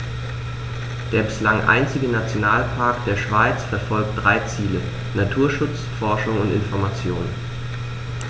Der bislang einzige Nationalpark der Schweiz verfolgt drei Ziele: Naturschutz, Forschung und Information.